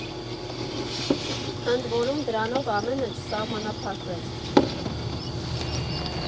Ընդ որում, դրանով ամենը չսահմանափակվեց։